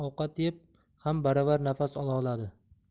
ovqat yeb ham baravar nafas ololadi